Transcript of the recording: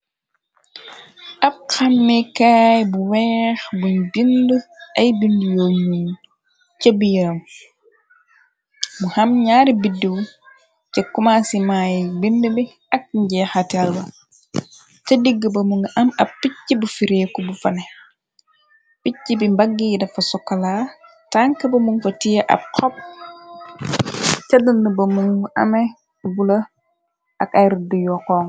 Ab xammikaay bu weex, buñu bind ay bind yooñi cëbbi yëram, bu xam ñaari biddiw ca kumansimaayi bind bi ak njeexatelba, ca digg ba mu nga am ab picc bu fireeku bu fane, picc bi mbagg yi dafa sokola, tank ba mun fa tie ab xob, ca dënd bamunu ame bula, ak ay ruddu yoxon.